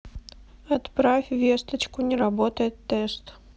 отправь весточку не работает тест